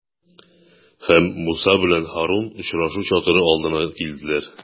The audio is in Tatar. Һәм Муса белән Һарун очрашу чатыры алдына килделәр.